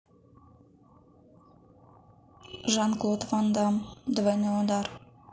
жан клод ван дамм двойной удар